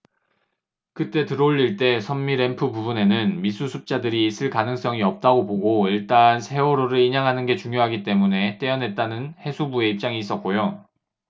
그때 들어올릴 때 선미 램프 부분에는 미수습자들이 있을 가능성이 없다고 보고 일단 세월호를 인양하는 게 중요하기 때문에 떼어냈다는 해수부의 입장이 있었고요